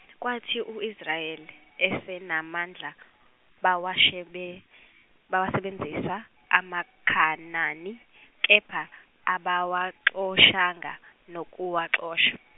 kwathi u Israyeli esenamandla bawasebe- bawasebenzisa amaKhanani, kepha abawaxoshanga nokuwaxosha.